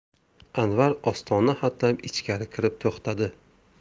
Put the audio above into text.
anvar ostona hatlab ichkari kirib to'xtadi